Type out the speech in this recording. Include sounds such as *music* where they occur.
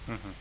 *hesitation* *hesitation*